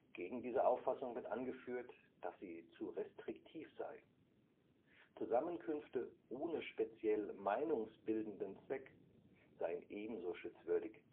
Gegen diese Auffassung wird angeführt, dass sie zu restriktiv sei. Zusammenkünfte ohne speziell meinungsbildenden Zweck seien ebenso schutzwürdig